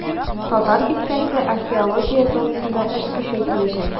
"татар бистәсе" археология зонасында эш көчәйтеләчәк.